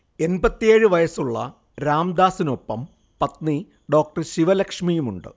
എൺപത്തിയേഴ് വയസ്സുളള രാംദാസിനൊപ്പം പത്നി ഡോ. ശിവ ലക്ഷ്മിയുമുണ്ട്